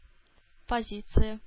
Позиция